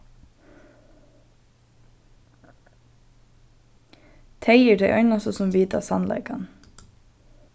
tey eru tey einastu sum vita sannleikan